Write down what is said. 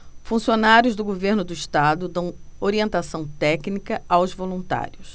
funcionários do governo do estado dão orientação técnica aos voluntários